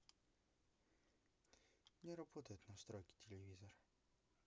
не работает настройки телевизора